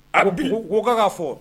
U ko ka ka fɔ.